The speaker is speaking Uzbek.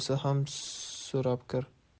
ham so'rab kir